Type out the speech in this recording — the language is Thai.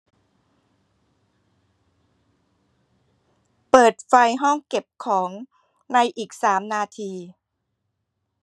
เปิดไฟห้องเก็บของในอีกสามนาที